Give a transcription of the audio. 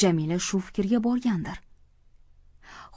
jamila shu fikrga borgandir